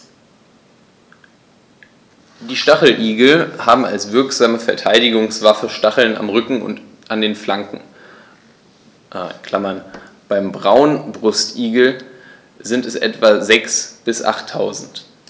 Die Stacheligel haben als wirksame Verteidigungswaffe Stacheln am Rücken und an den Flanken (beim Braunbrustigel sind es etwa sechs- bis achttausend).